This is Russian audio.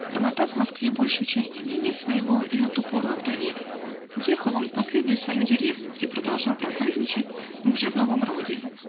Промотав в Москве большую часть имения своего и на ту пору овдовев, уехал он в последнюю свою деревню, где продолжал проказничать, но уже в новом роде.